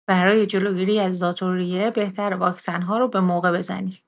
برای جلوگیری از ذات‌الریه، بهتره واکسن‌ها رو به‌موقع بزنی.